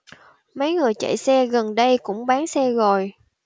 mấy người chạy xe gần đây cũng bán xe rồi